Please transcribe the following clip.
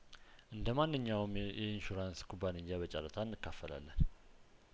እንደ ማንኛውም የኢንሹራንስ ኩባንያ በጨረታ እንካፈላለን